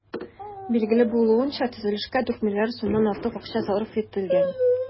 Билгеле булуынча, төзелешкә 4 миллиард сумнан артык акча сарыф ителгән.